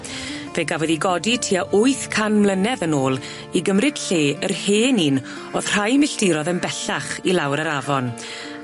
Fe gafodd 'i godi tua wyth can mlynedd yn ôl i gymryd lle yr hen un o'dd rhai milltirodd yn bellach i lawr yr afon.